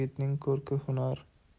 yigitning ko'rki hunar